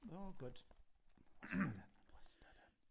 O gwd.